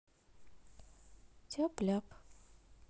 тяп ляп